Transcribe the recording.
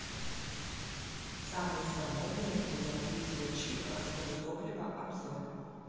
самые сановные грузовые тягачи по расходу топлива обзор